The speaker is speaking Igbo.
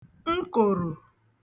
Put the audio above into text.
nkòrò